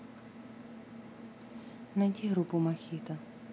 найди группу мохито